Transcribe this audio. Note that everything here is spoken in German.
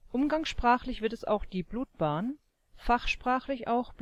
Umgangssprachlich wird es auch die Blutbahn, fachsprachlich auch